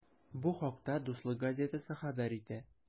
Бу хакта “Дуслык” газетасы хәбәр итә.